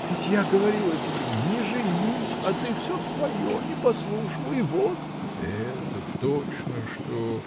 Ведь я говорила тебе: не женись, а ты всё свое, не послушал — и вот! — Это точно что.